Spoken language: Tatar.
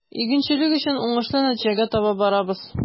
Игенчелек өчен уңышлы нәтиҗәгә таба барабыз.